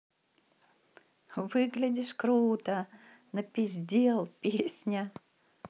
выглядишь круто напиздел песня